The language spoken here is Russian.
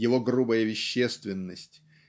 его грубая вещественность